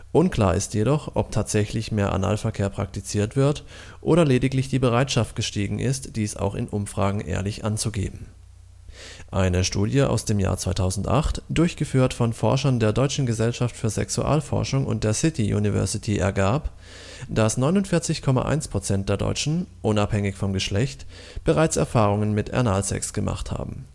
Unklar ist jedoch, ob tatsächlich mehr Analverkehr praktiziert wird oder lediglich die Bereitschaft gestiegen ist, dies auch in Umfragen ehrlich anzugeben. Eine Studie aus dem Jahr 2008, durchgeführt von Forschern der Deutschen Gesellschaft für Sexualforschung und der City University ergab, dass 49,1% der Deutschen, unabhängig vom Geschlecht, bereits Erfahrungen mit Analsex gemacht haben